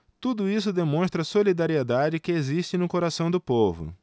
tudo isso demonstra a solidariedade que existe no coração do povo